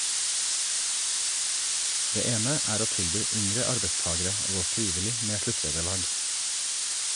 Det ene er å tilby yngre arbeidstagere å gå frivillig med sluttvederlag.